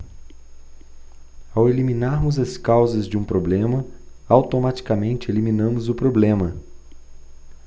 ao eliminarmos as causas de um problema automaticamente eliminamos o problema